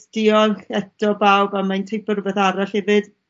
diolch eto bawb a mae'n teipo rwbeth arall hefyd